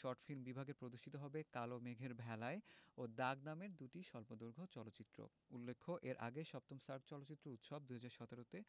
short film বিভাগে প্রদর্শিত হবে কালো মেঘের ভেলায় ও দাগ নামের দুটি স্বল্পদৈর্ঘ চলচ্চিত্র উল্লেখ্য এর আগে ৭ম সার্ক চলচ্চিত্র উৎসব ২০১৭ তে